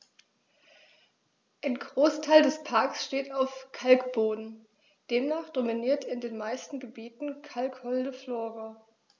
Ein Großteil des Parks steht auf Kalkboden, demnach dominiert in den meisten Gebieten kalkholde Flora.